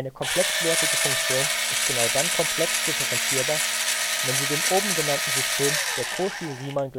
komplexwertige Funktion ist genau dann komplex differenzierbar, wenn sie dem oben genannten System der Cauchy-Riemann-Gleichungen